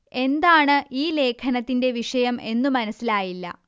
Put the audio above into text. എന്താണ് ഈ ലേഖനത്തിന്റെ വിഷയം എന്നു മനസ്സിലായില്ല